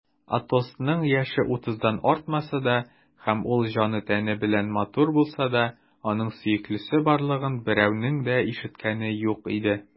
Атосның яше утыздан артмаса да һәм ул җаны-тәне белән матур булса да, аның сөеклесе барлыгын берәүнең дә ишеткәне юк иде.